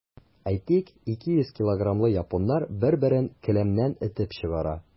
Әйтик, 200 килограммлы японнар бер-берен келәмнән этеп чыгара.